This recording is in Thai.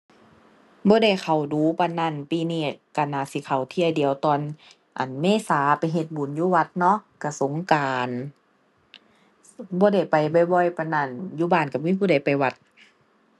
บ่ได้เข้าดู๋ปานนั้น ปีนี้ก็น่าสิเข้าเที่ยเดียวตอน อั่น เมษาไปเฮ็ดบุญอยู่วัดเนาะ ก็สงกรานต์ บ่ได้ไปบ่อยบ่อยปานนั้น อยู่บ้านก็บ่มีผู้ใดไปวัด